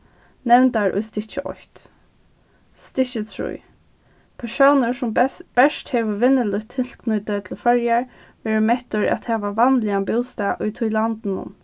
nevndar í stykki eitt stykki trý persónur sum bert hevur vinnuligt tilknýti til føroyar verður mettur at hava vanligan bústað í tí landinum